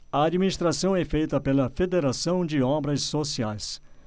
a administração é feita pela fos federação de obras sociais